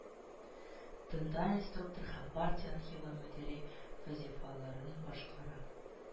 Тында инструктор һәм партия архивы мөдире вазифаларын башкара